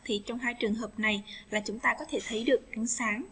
thì trong hai trường hợp này và chúng ta có thể thấy được ánh sáng